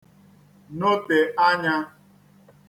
notè anyā